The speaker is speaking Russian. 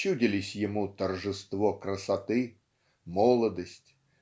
чудились ему "торжество красоты молодость